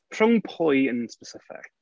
Rhwng pwy yn specific?